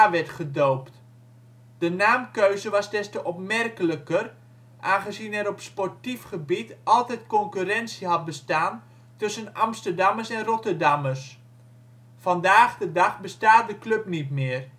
werd gedoopt. De naamkeuze was des te opmerkelijker aangezien er op sportief gebied altijd concurrentie had bestaan tussen Amsterdammers en Rotterdammers. Vandaag de dag bestaat de club niet meer